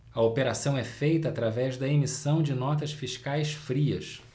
a operação é feita através da emissão de notas fiscais frias